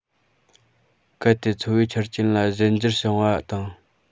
གལ ཏེ འཚོ བའི ཆ རྐྱེན ལ གཞན འགྱུར བྱུང བ དང